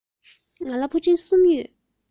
ང ལ ཕུ འདྲེན གསུམ ཡོད